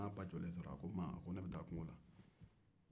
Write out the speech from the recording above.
a nan'a ba jɔlen sɔrɔ a ko maa ne bɛ taa kungo la